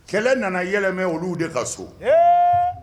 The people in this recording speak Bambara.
Kɛlɛ nana yɛlɛmɛ olu de ka so